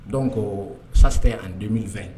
Sache que en 2020